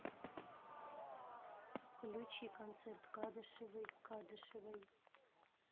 включить концерт кадышевой кадышевой